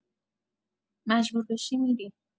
مجبور بشی می‌ری